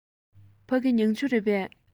ཕ གི མྱང ཆུ རེད པས